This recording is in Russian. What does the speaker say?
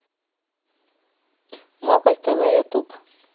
моголь тв ютуб